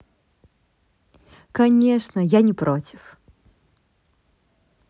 конечно я не против